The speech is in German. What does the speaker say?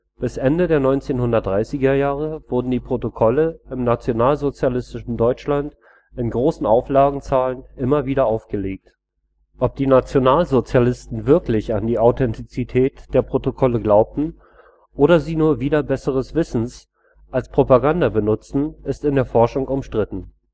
Bis Ende der 1930er Jahre wurden die Protokolle im nationalsozialistischen Deutschland in großen Auflagenzahlen immer wieder aufgelegt. Ob die Nationalsozialisten wirklich an die Authentizität der Protokolle glaubten oder sie nur wider besseres Wissen als Propaganda benutzten, ist in der Forschung umstritten